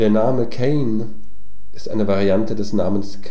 Name Caine ist eine Variante des Namens